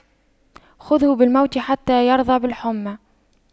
خُذْهُ بالموت حتى يرضى بالحُمَّى